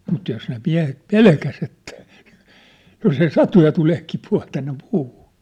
mutta jos ne miehet pelkäsi että jos ei satu ja tulee kipuaa tänne puuhun